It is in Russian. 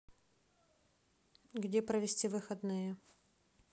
где провести выходные